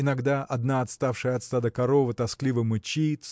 Иногда одна отставшая от стада корова тоскливо мычит